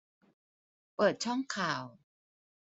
เปิดช่องข่าว